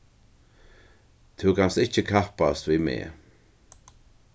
tú kanst ikki kappast við meg